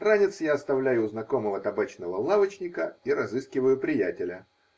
Ранец я оставляю у знакомого табачного лавочника и разыскиваю приятеля.